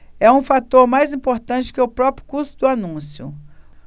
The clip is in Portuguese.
é um fator mais importante que o próprio custo do anúncio